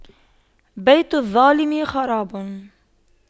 بيت الظالم خراب